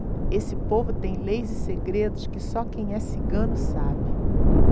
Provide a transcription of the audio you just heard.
esse povo tem leis e segredos que só quem é cigano sabe